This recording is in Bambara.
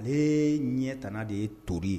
Ale ɲɛ tana de ye tori ye